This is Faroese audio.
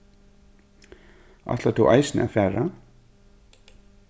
ætlar tú eisini at fara